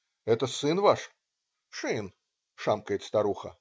"Это сын ваш?" - "Сын",- шамкает старуха.